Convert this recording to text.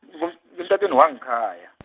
mun- emtatweni wangekhaya .